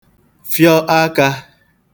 fịọ akā